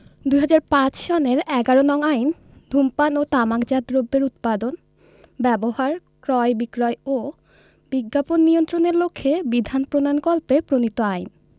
২০০৫ সনের ১১ নং আইন ধূমপান ও তামাকজাত দ্রব্যের উৎপাদন ব্যবহার ক্রয় বিক্রয় ও বিজ্ঞাপন নিয়ন্ত্রণের লক্ষ্যে বিধান প্রণয়নকল্পে প্রণীত আইন